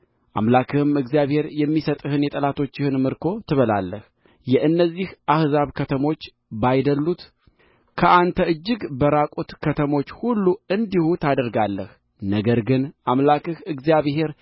አምላክህም እግዚአብሔር የሚሰጥህን የጠላቶችህን ምርኮ ትበላለህ የእነዚህ አሕዛብ ከተሞች ባይደሉት ከአንተ እጅግ በራቁት ከተሞች ሁሉ እንዲሁ ታደርጋለህ ነገር ግን አምላክህ እግዚአብሔር